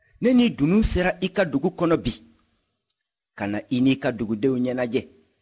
ne ni dunun sera i ka dugu kɔnɔ bi ka na i n'i ka dugudenw ɲɛnajɛ